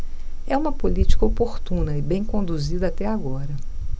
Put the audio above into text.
é uma política oportuna e bem conduzida até agora